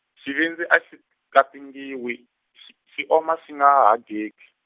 xivindzi a xi katingiwa x-, xi oma xi nga ha dyeki.